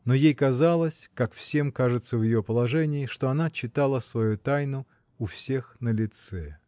Но ей казалось, как всем кажется в ее положении, что она читала свою тайну у всех на лице.